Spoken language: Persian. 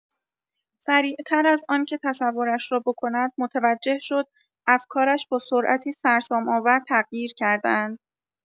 سریع‌تر از آنکه تصورش را بکند متوجه شد افکارش با سرعتی سرسام‌آور تغییر کرده‌اند.